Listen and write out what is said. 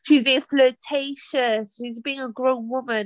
She was being flirtatious. She was being a grown woman.